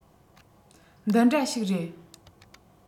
འདི འདྲ ཞིག རེད